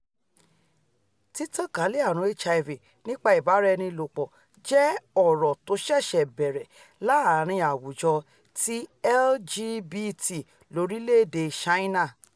Títaǹkalẹ̀ ààrùn HIV nípa ìbáraẹnilòpọ̀ jẹ ọrọ tóṣẹ̀ṣẹ̀ bẹ̀rẹ̀ láàrin àwùjọ ti LGBT lorílẹ̀-èdè Ṣáínà.